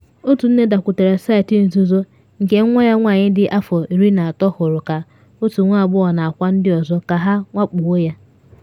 Otu nne dakwutere saịtị nzuzo nke nwa nwanyị ya dị afọ 13 hụrụ ka otu nwa agbọghọ na akwa ndị ọzọ ka ha “nwakpuo ya.”